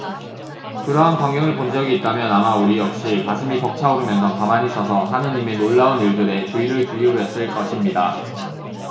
그러한 광경을 본 적이 있다면 아마 우리 역시 가슴이 벅차오르면서 가만히 서서 하느님의 놀라운 일들에 주의를 기울였을 것입니다